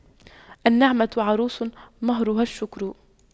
النعمة عروس مهرها الشكر